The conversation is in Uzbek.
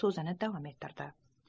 so'zini davom ettirdi